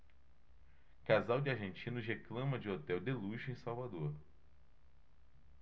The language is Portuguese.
casal de argentinos reclama de hotel de luxo em salvador